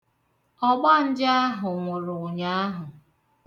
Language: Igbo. Ọgbanje ahụ nwụrụ ụnyaahụ.